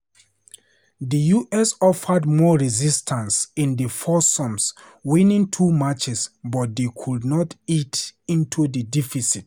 The U.S. offered more resistance in the foursomes, winning two matches, but they could not eat into the deficit.